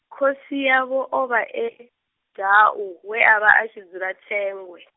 khosi yavho o vha e Dau, we a vha a tshi dzula Thengwe.